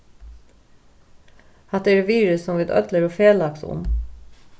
hatta eru virði sum vit øll eru felags um